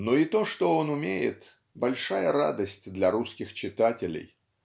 Но и то, что он умеет, - большая радость для русских читателей.